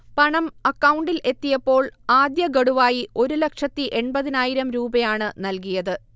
പണം അക്കൗണ്ടിൽ എത്തിയപ്പോൾ ആദ്യഖഡുവായി ഒരു ലക്ഷത്തി എണ്പതിനായിരം രൂപയാണ് നൽകിയത്